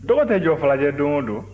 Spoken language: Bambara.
dɔgɔ tɛ jɔ falajɛ don o don